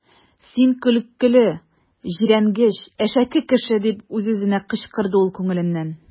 Син көлкеле, җирәнгеч, әшәке кеше! - дип үз-үзенә кычкырды ул күңеленнән.